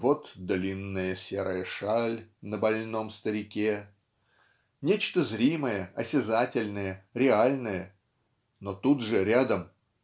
"вот длинная серая шаль на больном старике" -- нечто зримое осязательное реальное но тут же, рядом